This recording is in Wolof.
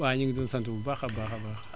waaw ñu ngi doon sant bu baax a baax a baax